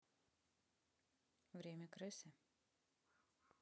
время крысы